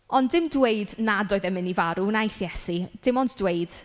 Ond dim dweud nad oedd e'n mynd i farw wnaeth Iesu, dim ond dweud